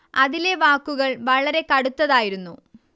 അതിലെ വാക്കുകൾ വളരെ കടുത്തതായിരുന്നു